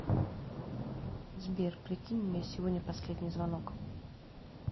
сбер прикинь у меня сегодня последний звонок